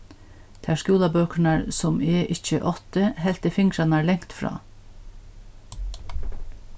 tær skúlabøkurnar sum eg ikki átti helt eg fingrarnar langt frá